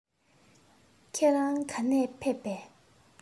ཁྱེད རང ག ནས ཕེབས པས